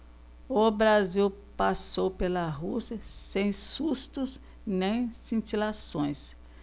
o brasil passou pela rússia sem sustos nem cintilações